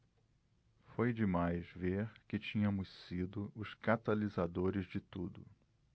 foi demais ver que tínhamos sido os catalisadores de tudo